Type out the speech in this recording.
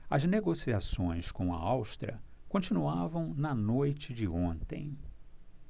as negociações com a áustria continuavam na noite de ontem